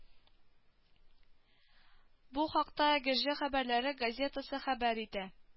Бу хакта әгерҗе хәбәрләре газетасы хәбәр итә